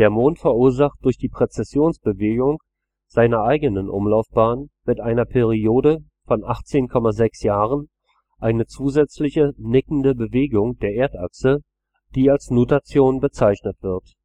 Mond verursacht durch die Präzessionsbewegung seiner eigenen Umlaufbahn mit einer Periode von 18,6 Jahren eine zusätzliche „ nickende “Bewegung der Erdachse, die als Nutation bezeichnet wird